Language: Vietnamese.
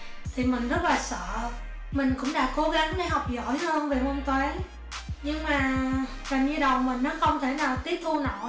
thì mình rất là sợ mình cũng đã cố gắng để học giỏi hơn về môn toán nhưng mà làm như đầu mình nó không thể nào tiếp thu nỗi